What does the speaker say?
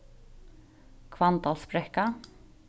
hvanndalsbrekka